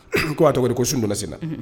I ko a tɔgɔ ko sun donnalasina